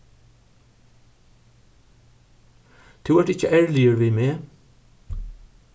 tú ert ikki ærligur við meg